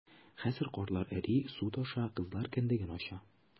Хәзер карлар эри, су таша - кызлар кендеген ача...